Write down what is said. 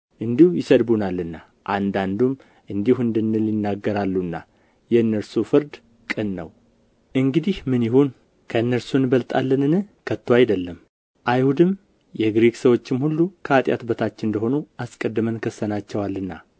እንዲሁ ይሰድቡናልና አንዳንዱም እንዲሁ እንድንል ይናገራሉና የእነርሱም ፍርድ ቅን ነው እንግዲህ ምን ይሁን ከእነርሱ እንበልጣለንን ከቶ አይደለም አይሁድም የግሪክ ሰዎችም ሁሉ ከኃጢአት በታች እንደ ሆኑ አስቀድመን ከሰናቸዋልና